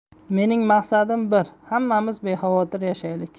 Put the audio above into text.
mening maqsadim bir hammamiz bexavotir yashaylik